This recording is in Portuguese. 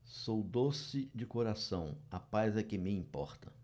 sou doce de coração a paz é que me importa